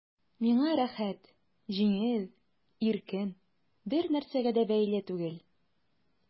Миңа рәхәт, җиңел, иркен, бернәрсәгә дә бәйле түгел...